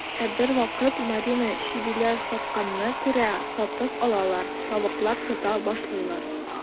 Ә бервакыт Марина чебиләр сатканны күрә, сатып алалар, тавыклар тота башлыйлар.